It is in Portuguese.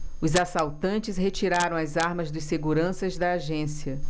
os assaltantes retiraram as armas dos seguranças da agência